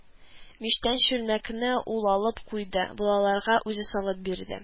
Мичтән чүлмәкне ул алып куйды, балаларга үзе салып бирде